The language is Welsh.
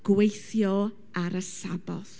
Gweithio ar y Saboth.